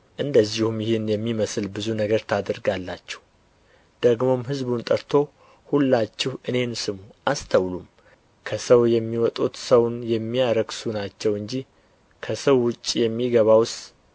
እንደዚሁም ይህን የሚመስል ብዙ ነገር ታደርጋላችሁ ደግሞም ሕዝቡን ጠርቶ ሁላችሁ እኔን ስሙ አስተውሉም ከሰው የሚወጡት ሰውን የሚያረክሱ ናቸው እንጂ ከሰው ውጭ የሚገባውስ